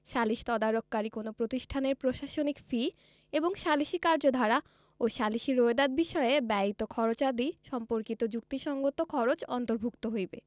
সালিস তদারককারী কোন প্রতিষ্ঠানের প্রশাসনিক ফি এবং সালিসী কার্যধারা ও সালিসী রোয়েদাদ বিষয়ে ব্যয়িত খরচাদি সম্পর্কিত যুক্তিসংগত খরচ অন্তর্ভুক্ত হইবে